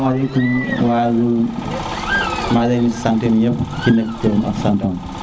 salamaley kum mangi leen di sant ku nek turam ak santam